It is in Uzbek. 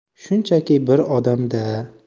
shunchaki bir odam da